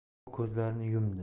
u ko'zlarini yumdi